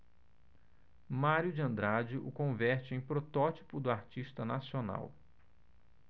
mário de andrade o converte em protótipo do artista nacional